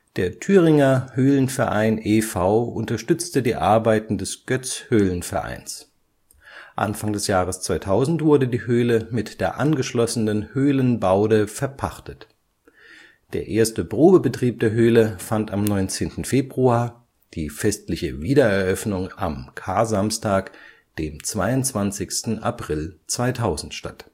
Der Thüringer Höhlenverein e. V. unterstützte die Arbeiten des Goetz-Höhlen-Vereins. Anfang des Jahres 2000 wurde die Höhle mit der angeschlossenen Höhlenbaude verpachtet. Der erste Probebetrieb der Höhle fand am 19. Februar, die festliche Wiedereröffnung am Karsamstag, dem 22. April 2000 statt